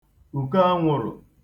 ùkoanwụrụ̀